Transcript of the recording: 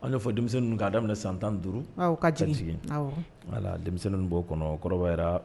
An fɔ denmisɛnnin' daminɛ san tan duuru ka cɛ wala denmisɛnnin b'o kɔnɔ kɔrɔyara